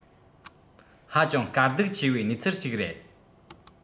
ཧ ཅང དཀའ སྡུག ཆེ བའི གནས ཚུལ ཞིག རེད